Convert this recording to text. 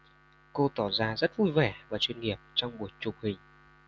cô tỏ ra rất vui vẻ và chuyên nghiệp trong buổi chụp hình